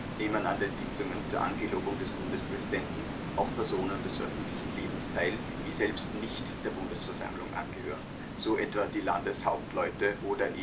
nehmen an den Sitzungen zur Angelobung des Bundespräsidenten auch Personen des öffentlichen Lebens teil, die selbst nicht der Bundesversammlung angehören, so etwa die Landeshauptleute oder